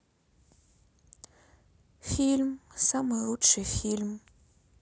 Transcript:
фильм самый лучший фильм